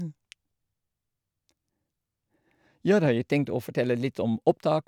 Ja, da har jeg tenkt å fortelle litt om opptak.